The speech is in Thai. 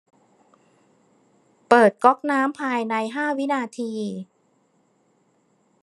เปิดก๊อกน้ำภายในห้าวินาที